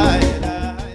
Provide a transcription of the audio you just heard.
lalalala